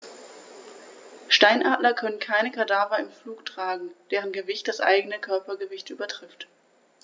Steinadler können keine Kadaver im Flug tragen, deren Gewicht das eigene Körpergewicht übertrifft.